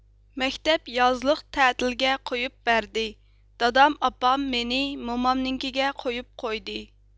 مەكتەپ يازلىق تەتىلگە قويۇپ بەردى دادام ئاپام مېنى مومامنىڭكىگە قويۇپ قويدى